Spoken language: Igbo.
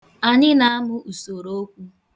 Anyị na-amụ usorookwu.